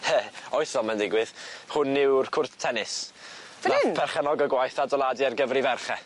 Ie, oes fel mae'n ddigwydd. Hwn yw'r cwrt tennis. Fyn 'yn? Nath perchennog y gwaith adeiladu ar gyfer 'i ferch e.